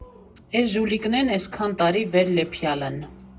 Էս ժուլիկնեն էսքան տարի վեր լեփյալըն։